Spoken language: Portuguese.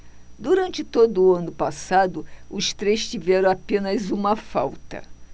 durante todo o ano passado os três tiveram apenas uma falta